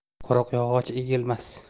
quruq yog'och egilmas